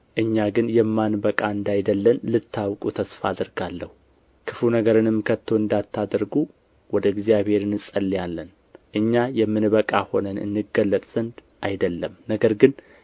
እኛ ግን የማንበቃ እንዳይደለን ልታውቁ ተስፋ አደርጋለሁ ክፉ ነገርንም ከቶ እንዳታደርጉ ወደ እግዚአብሔር እንጸልያለን እኛ የምንበቃ ሆነን እንገለጥ ዘንድ አይደለም ነገር ግን